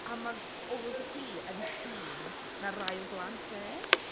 A mae... oedd hi yn hŷn 'na rhai o blant e.